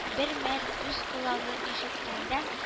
Бер мәл үз колагы ишеткәндә